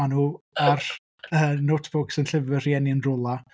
Maen nhw ar yy notebooks yn llyfr fy rhieni yn rywle.